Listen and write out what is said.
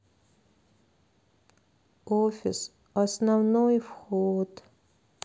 офис основной вход